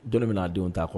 Donni min'a denw t'a kɔ.